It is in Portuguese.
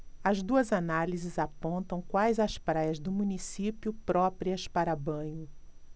as duas análises apontam quais as praias do município próprias para banho